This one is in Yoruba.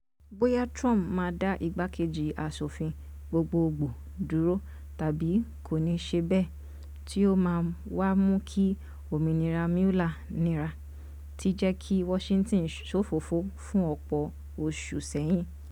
Bóyá Trump máa dá igbákejì àṣòfin gbogbogbò dúró tàbí kò ní ṣe bẹ́ẹ̀, tí ó máa wá mú kí òmínira Mueller níra, ti jẹ́ kí Washington ṣòfófo fú ọ̀pọ̀ oṣù ṣẹ́yìn.